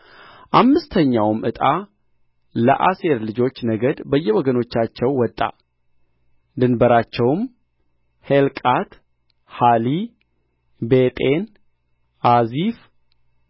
አምስተኛውም ዕጣ ለአሴር ልጆች ነገድ በየወገኖቻቸው ወጣ ድንበራቸውም ሔልቃት ሐሊ ቤጤን አዚፍ